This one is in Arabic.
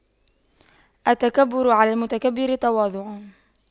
التكبر على المتكبر تواضع